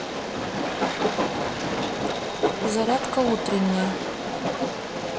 зарядка утренняя